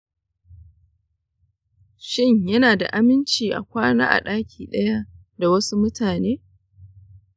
shin yana da aminci a kwana a daki ɗaya da wasu mutane?